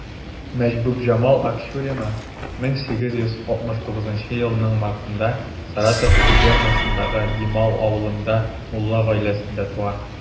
Мәхбүбҗамал Акчурина 1869 елның мартында Саратов губернасындагы Димау авылында мулла гаиләсендә туа.